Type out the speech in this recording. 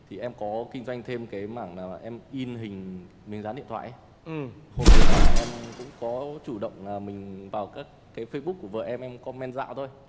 thì em có kinh doanh thêm cái mảng là em in hình với dán điện thoại ấy hôm đấy là em cũng có chủ động là mình vào các cái phây búc của vợ em em com men dạo thôi